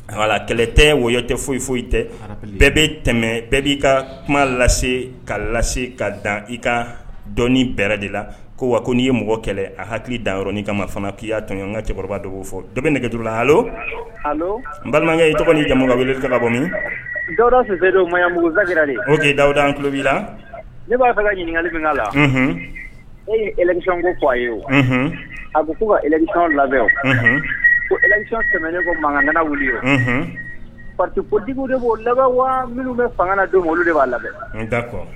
A kɛlɛ tɛ woyɔ tɛ foyi foyi tɛ bɛɛ bɛ tɛmɛ bɛɛ'i ka kuma lase ka lase ka dan i ka dɔnni bɛɛrɛ de la ko wa ko n'i ye mɔgɔ kɛlɛ a hakili danɔrɔnin kama ma fana k'i'a tɔɲɔgɔn an cɛkɔrɔba dɔw fɔ dɔ bɛ nɛgɛ jurula n balimakɛ i tɔgɔ jamana ka wuli ka bɔ min dɔwda sunjatadon maya mujira dawudaan tulolobi la ne b'a fɛ ɲininkakali bɛna la e yemi ko ko a ye o a ko'u kami labɛn komi tɛmɛ ne ko makanga mana wili wo pa kotigiw de b'o laban wa minnu bɛ fanga don olu de b'a labɛn kuwa